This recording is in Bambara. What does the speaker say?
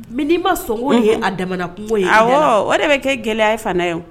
Ni ma sogo ye a jamana kungo ye o de bɛ kɛ gɛlɛyaya fan ye